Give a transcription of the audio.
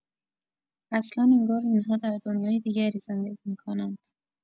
اصلا انگار این‌ها در دنیای دیگری زندگی می‌کنند.